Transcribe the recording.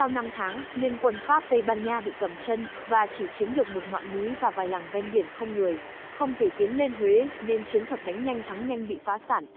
sau tháng liên quân pháp tây ban nha bị cầm chân và chỉ chiếm được ngọn núi và vài làng ven biển không người không thể tiến lên huế nên chiến thuật đánh nhanh thắng nhanh bị phá sản